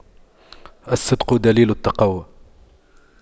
الصدق دليل التقوى